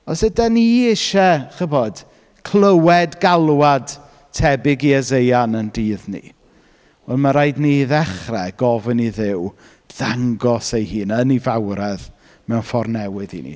Os ydyn ni isie chibod, clywed galwad tebyg i Eseia yn ein dydd ni, wel ma'n rhaid i ni ddechrau gofyn i Duw ddangos ei hun yn ei fawredd mewn ffordd newydd i ni.